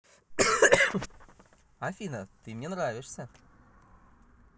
афина ты мне нравишься